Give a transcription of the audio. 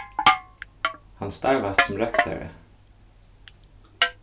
hann starvast sum røktari